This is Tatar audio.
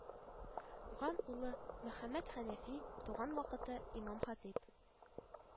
Ган улы мөхәммәтхәнәфи туган вакыты имам-хатиб